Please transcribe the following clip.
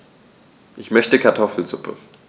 Ich möchte Kartoffelsuppe.